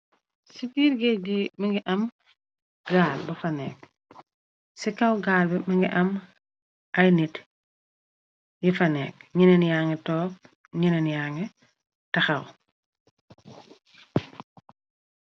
Ci tiir géey di mëngi am gaal ba faneek ci kaw gaal bi mëngi am ay nit yi faneek ñineen yaang toog ñineen yaang taxaw.